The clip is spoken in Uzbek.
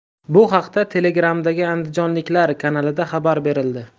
bu haqda telegram'dagi andijonliklar kanalida xabar berildi